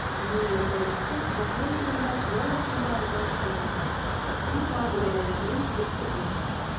Миллер гаиләсе Бакман турында барысын да алдан ук аңлаган бик аз гаиләләрнең берсе була.